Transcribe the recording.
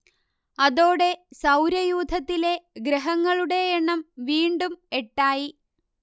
അതോടെ സൗരയൂഥത്തിലെ ഗ്രഹങ്ങളുടെയെണ്ണം വീണ്ടും എട്ടായി